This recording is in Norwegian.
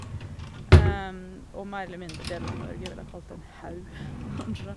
Og mer eller mindre det vi i Norge ville kalt en haug, kanskje.